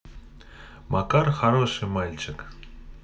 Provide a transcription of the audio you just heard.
makar хороший мальчик